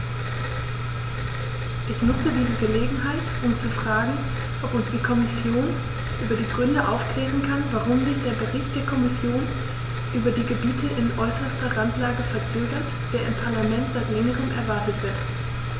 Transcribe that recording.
Ich nutze diese Gelegenheit, um zu fragen, ob uns die Kommission über die Gründe aufklären kann, warum sich der Bericht der Kommission über die Gebiete in äußerster Randlage verzögert, der im Parlament seit längerem erwartet wird.